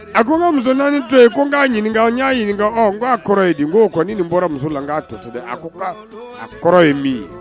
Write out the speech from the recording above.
A ko n ka muso 4 to ye ko n ka ɲininka n y'a ɲininka n ko k'a kɔrɔ ye di nko nin ni bɔra muso la to a ko ko a kɔrɔ ye min ye